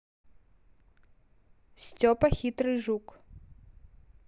степа хитрый жук